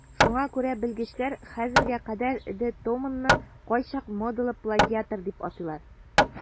Шуңа күрә белгечләр хәзергә кадәр де Томонны кайчак модалы плагиатор дип атыйлар.